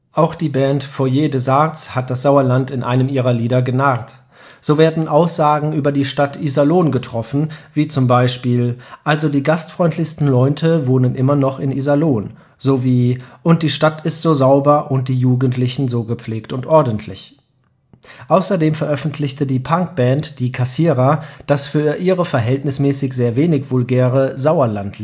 Auch die Band „ Foyer des Arts “hat das Sauerland in einem ihrer Lieder genarrt; so werden Aussagen über die Stadt Iserlohn getroffen, wie zum Beispiel „ Also die gastfreundlichsten Leute wohnen immer noch in Iserlohn “sowie „ Und die Stadt ist so sauber, und die Jugendlichen so gepflegt und ordentlich. “Außerdem veröffentlichte die Punkband „ Die Kassierer “das (für ihre Verhältnisse sehr wenig vulgäre) „ Sauerlandlied